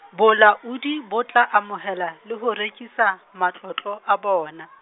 bolaodi bo tla amohela, le ho rekisa, matlotlo a bona.